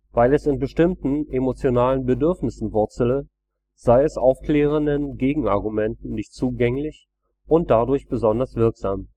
Weil es in bestimmten emotionalen Bedürfnissen wurzele, sei es aufklärenden Gegenargumenten nicht zugänglich und dadurch besonders wirksam